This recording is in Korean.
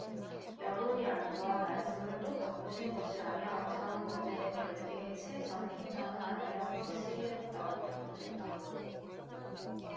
여론이 안 좋아 말씀을 또 바꾸신 것이라며 정 원내대표에게 채 전 총장은 아니라고 확실히 해줬다고 덧붙였다